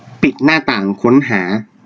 ปิดหน้าต่างค้นหา